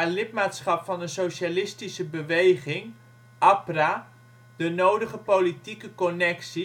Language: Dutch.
lidmaatschap van een socialistische beweging (APRA) de nodige politieke connecties en introduceert